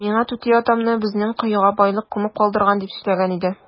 Миңа түти атамны безнең коега байлык күмеп калдырган дип сөйләгән иде.